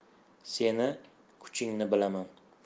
sening kuchingni bilaman